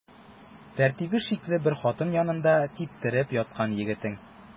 Тәртибе шикле бер хатын янында типтереп яткан егетең.